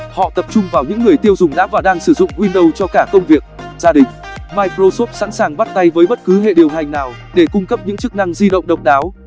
họ tập trung vào những người tiêu dùng đã và đang sử dụng windows cho cả công việc gia đình microsoft sẵn sàng bắt tay với bất cứ hệ điều hành nào để cung cấp những chức năng di động độc đáo